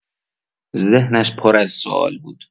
ذهنش پر از سوال بود.